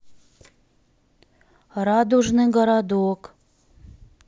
радужный городок